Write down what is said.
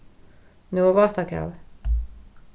nú er vátakavi